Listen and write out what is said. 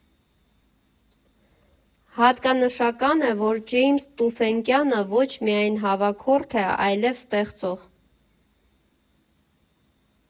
Հատկանշական է, որ Ջեյմս Թուֆենկյանը ոչ միայն հավաքորդ է, այլև ստեղծող.